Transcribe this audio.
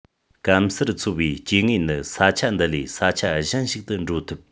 སྐམ སར འཚོ བའི སྐྱེ དངོས ནི ས ཆ འདི ལས ས ཆ གཞན ཞིག ཏུ འབྲོ ཐུབ